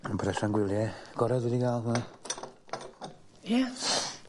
Ma'n presant gwylie gore dwi 'di ga'l . Ie?